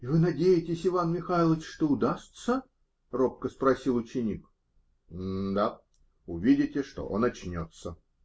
-- И вы надеетесь, Иван Михайлыч, что удастся? -- робко спросил ученик. -- Н-да. Увидите, что он очнется.